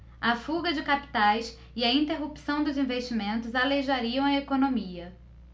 a fuga de capitais e a interrupção dos investimentos aleijariam a economia